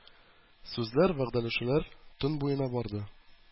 Сүзләр, вәгъдәләшүләр төн буена барды.